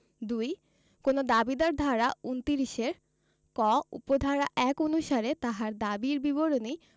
২ কোন দাবীদার ধারা ২৯ এর ক উপ ধারা ১ অনুসারে তাহার দাবীর বিবরণী